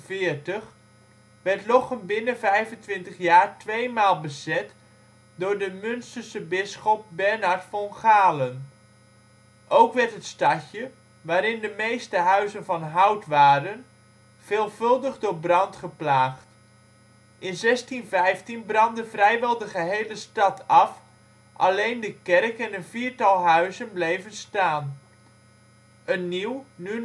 1648 werd Lochem binnen 25 jaar twee maal bezet door de Munsterse bisschop Bernhard von Galen. Ook werd het stadje, waarin de meeste huizen van hout waren, veelvuldig door brand geplaagd. In 1615 brandde vrijwel de hele stad af, alleen de kerk en een viertal huizen bleven staan. Een nieuw, nu